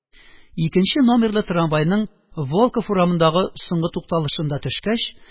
2 нче номерлы трамвайның волков урамындагы соңгы тукталышында төшкәч,